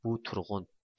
bu turg'un